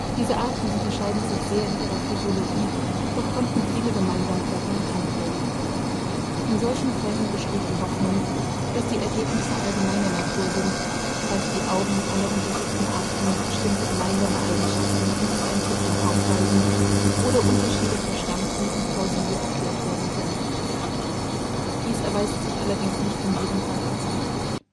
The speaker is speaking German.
Diese Arten unterscheiden sich sehr in ihrer Physiologie, doch konnten viele Gemeinsamkeiten erkannt werden. In solchen Fällen besteht die Hoffnung, dass die Ergebnisse allgemeiner Natur sind, falls die Augen aller untersuchten Arten bestimmte gemeinsame Eigenschaften in ihrer Entwicklung aufweisen oder Unterschiede verstanden und plausibel erklärt werden können. Dies erweist sich allerdings nicht in jedem Fall als richtig